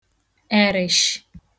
erịshị